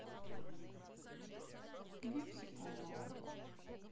где все каналы